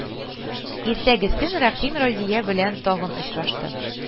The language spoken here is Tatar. Иртәгесен Рәхим Разия белән тагын очрашты